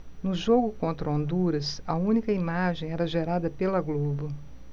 no jogo contra honduras a única imagem era gerada pela globo